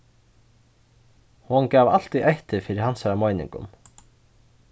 hon gav altíð eftir fyri hansara meiningum